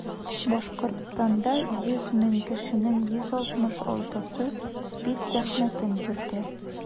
Башкортстанда 100 мең кешенең 166-сы СПИД зәхмәтен йөртә.